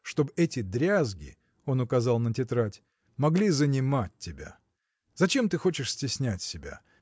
чтоб эти дрязги (он указал на тетрадь) могли занимать тебя. Зачем ты хочешь стеснять себя?